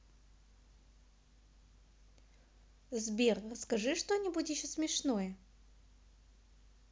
сбер расскажи что нибудь еще смешное